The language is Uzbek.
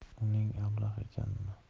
uning ablah ekanini